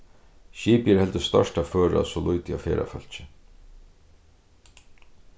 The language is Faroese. skipið er heldur stórt at føra so lítið av ferðafólki